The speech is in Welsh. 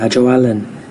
a Jo Allen